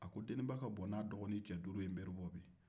a ko deniba ka buwɔ n'a dɔgɔnin cɛ duuru ye nbari bi